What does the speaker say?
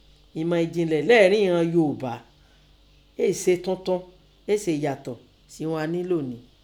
Ìnmọ̀ ẹ̀jìnlẹ̀ lẹ́ẹ̀́rin ìghan Yoòbá áà se tuntun é sèè yàtọ̀ síhun a nẹ́ lónìí.